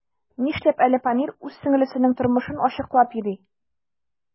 Нишләп әле Памир үз сеңлесенең тормышын ачыклап йөри?